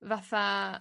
fatha...